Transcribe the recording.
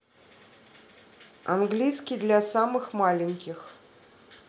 английский для самых маленьких